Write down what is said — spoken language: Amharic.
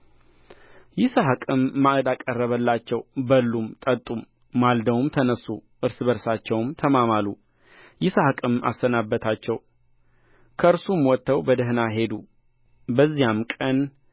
ይስሐቅም ማዕድ አቀረበላቸው በሉም ጠጡም ማልደውም ተነሡ እርስ በርሳቸውም ተማማሉ ይስሐቅም አሰናበታቸው ከእርሱም ወጥተው በደኅና ሄዱ በዚያም ቀን